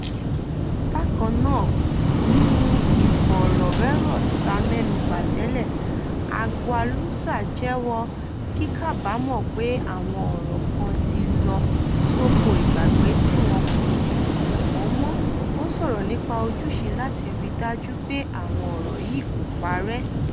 Bákan náà, nínu ìfọ̀rọ̀wérọ̀ tá mẹnubà tẹ́lẹ̀, Agualusa jẹ́wọ́ “kíkàbámọ̀ pé àwọn ọ̀rọ̀ kan ti lọ sóko ìgbàgbé tí wọ́n kò sì lò wọ́n mọ́” ó sọ̀rọ̀ nípa “ojúṣe láti ri dájú pé àwọn ọ̀rọ̀ yìí kò parẹ́”